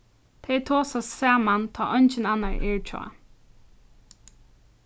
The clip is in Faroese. tey tosa saman tá eingin annar er hjá